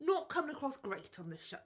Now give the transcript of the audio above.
not coming across great on the show.